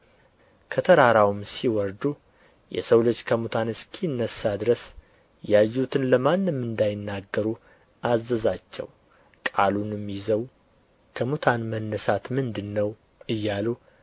ከተራራውም ሲወርዱ የሰው ልጅ ከሙታን እስኪነሣ ድረስ ያዩትን ለማንም እንዳይነግሩ አዘዛቸው ቃሉንም ይዘው ከሙታን መነሣት ምንድር ነው እያሉ